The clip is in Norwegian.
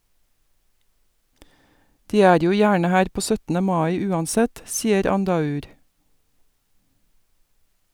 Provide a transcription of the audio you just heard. De er jo gjerne her på 17. mai uansett, sier Andaur.